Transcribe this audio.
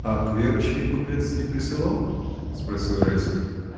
— А к Верочке купец не присылал? — спросил Райский.